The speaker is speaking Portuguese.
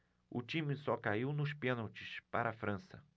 o time só caiu nos pênaltis para a frança